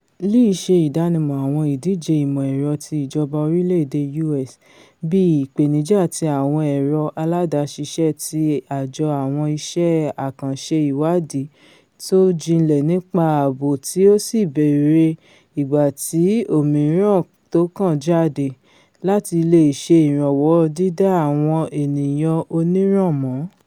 Lee ṣe ìdánimọ àwọn ìdíje ìmọ̀-ẹ̀rọ ti ìjọba orílẹ̀-èdè U.S. bíi Ìpèníjà ti Àwọn Ẹ̀rọ Aláàdáṣiṣẹ́ ti Àjọ Àwọn Ìṣẹ́ Àkànṣe Ìwáàdí tó jinlẹ̀ nípa ààbò tí ó sì bèèrè igbàti òmíràn tókàn jáde, láti leè ṣe ìrànwọ dídá àwọn ènìyàn oníran mọ̀.